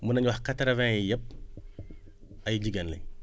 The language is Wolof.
mun nañu wax quatre vingt yi yëpp ay jigéen lañ